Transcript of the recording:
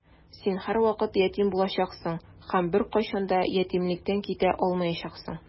Син һәрвакыт ятим булачаксың һәм беркайчан да ятимлектән китә алмаячаксың.